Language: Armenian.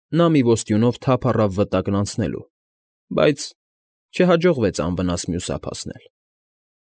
Նա մի ոստյունով թափ առավ վտակն անցնելու, բայց… չհաջողվեց անվնաս մյուս ափ հասնել։